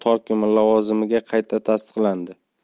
hokimi lavozimiga qayta tasdiqlandi